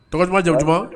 Tɔgɔ jaba